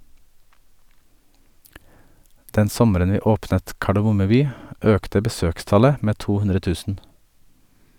Den sommeren vi åpnet "Kardemomme by" økte besøkstallet med 200 000.